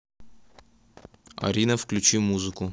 арина включи музыку